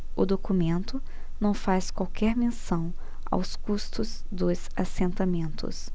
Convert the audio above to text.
o documento não faz qualquer menção aos custos dos assentamentos